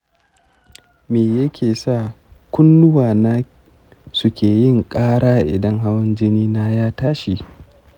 me yake sa kunnuwana suke yin ƙara idan hawan jinina ya tashi?